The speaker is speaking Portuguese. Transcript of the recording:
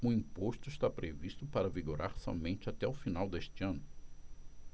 o imposto está previsto para vigorar somente até o final deste ano